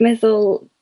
dwi meddwl